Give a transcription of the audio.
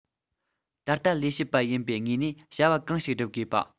ད ལྟ ལས བྱེད པ ཡིན པའི ངོས ནས བྱ བ གང ཞིག བསྒྲུབ དགོས པ